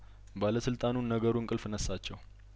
ባለስልጣኑን ነገሩ እንቅልፍ ነሳቸው